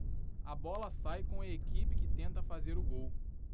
a bola sai com a equipe que tenta fazer o gol